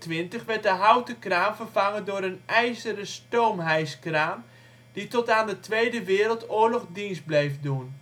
In 1824 werd de houten kraan vervangen door een ijzeren stoomhijskraan, die tot aan WOII dienst bleef doen